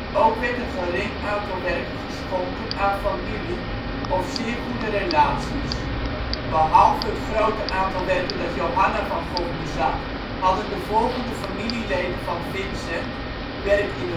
Ook werd een gering aantal werken geschonken aan familie of zeer goede relaties. Behalve het grote aantal werken dat Johanna van Gogh bezat, hadden de volgende familieleden van Vincent werk in